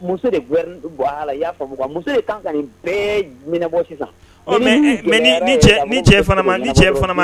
Muso mɛ